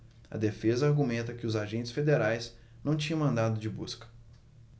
a defesa argumenta que os agentes federais não tinham mandado de busca